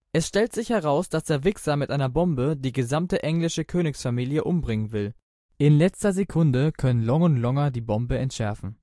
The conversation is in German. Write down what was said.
Es stellt sich heraus, dass der Wixxer mit einer Bombe die gesamte englische Königsfamilie umbringen will. In letzter Sekunde können Long und Longer die Bombe entschärfen